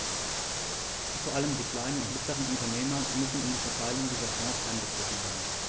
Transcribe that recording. Vor allem die kleinen und mittleren Unternehmer müssen in die Verteilung dieser Fonds einbezogen werden.